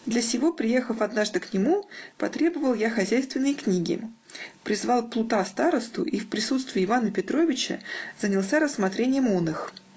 Для сего, приехав однажды к нему, потребовал я хозяйственные книги, призвал плута старосту, и в присутствии Ивана Петровича занялся рассмотрением оных.